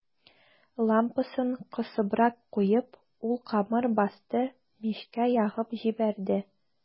Лампасын кысыбрак куеп, ул камыр басты, мичкә ягып җибәрде.